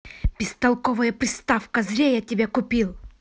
бестолковая приставка зря я тебя купил